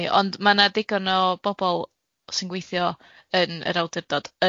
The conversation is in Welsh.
ni, ond ma' na digon o bobol sy'n gweithio yn yr awdurdod